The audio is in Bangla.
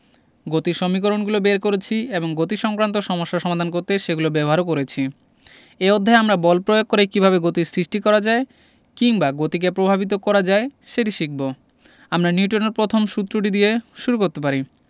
গতির সমীকরণগুলো বের করেছি এবং গতিসংক্রান্ত সমস্যা সমাধান করতে সেগুলো ব্যবহারও করেছি এই অধ্যায়ে আমরা বল প্রয়োগ করে কীভাবে গতির সৃষ্টি করা যায় কিংবা গতিকে প্রভাবিত করা যায় সেটি শিখব আমরা নিউটনের প্রথম সূত্রটি দিয়ে শুরু করতে পারি